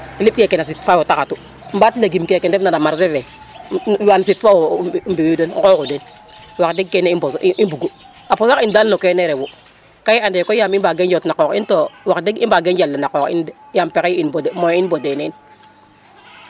liɓ keke no sit feyo te xatu mbat legume keke ndef nayo no marcher fe wan sit fe yo mbi u den ŋoxu den wax deg kene i mbas kene i mbugu a bugax in dal no kene refu ka i ande koy yam i mbage njot na qox in to wax deg i mbage njala na qox in de yam pexey in mbode nen